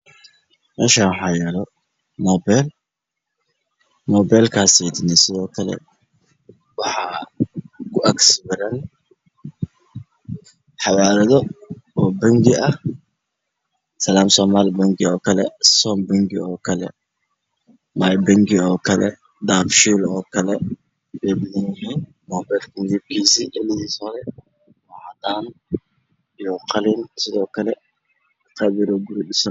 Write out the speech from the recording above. Meshan waxa yaalo mobel mobelkasi sidokle waxaa ku ag sawirn xawalado oo bangi ah salaam somali bangi okle soon bangi okle bay bangi okle dahab shiil okle ay badanyihiin mobelka midabkisa cadan iyi qalin sidokle qeyb yaroo guri dhisan